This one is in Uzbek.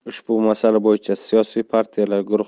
ushbu masala bo'yicha siyosiy partiyalar